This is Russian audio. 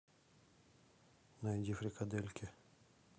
найди фрикадельки